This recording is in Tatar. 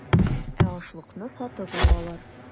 Ә ашлыкны сатып алалар.